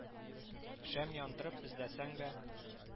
Шәм яндырып эзләсән дә